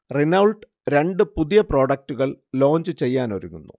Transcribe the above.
Renault രണ്ട് പുതിയ പ്രൊഡക്ടുകൾ ലോഞ്ച് ചെയ്യാനൊരുങ്ങുന്നു